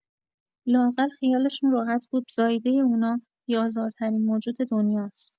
لااقل خیالشون راحت بود زائیدۀ اونا بی‌آزارترین موجود دنیاس.